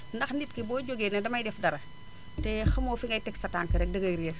ndax nit ki boo jógee ne damay def dara te xamoo fi ngay teg sa tànk rek dangay réer